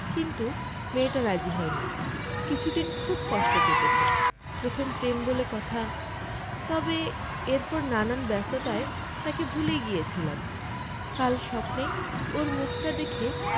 কিন্তু মেয়েটা রাজি হয়নি কিছুদিন খুব কষ্টে কেটেছে প্রথম প্রেম বলে কথা তবে এরপর নানান ব্যস্ততায় তাকে ভুলেই গিয়েছিলাম কাল স্বপ্নে ওর মুখটা দেখে